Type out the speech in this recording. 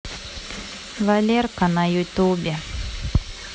валерка на ютубе